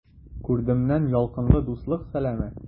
Күрдемнән ялкынлы дуслык сәламе!